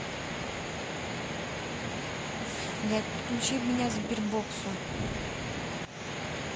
блядь подключи меня к сбербоксу